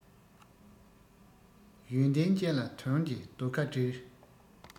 ཡོན ཏན ཅན ལ དོན གྱི རྡོ ཁ སྒྲིལ